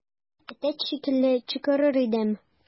Әтәч шикелле кычкырыр идем.